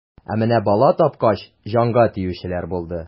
Ә менә бала тапкач, җанга тиючеләр булды.